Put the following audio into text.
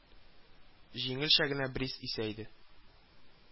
Җиңелчә генә бриз исә иде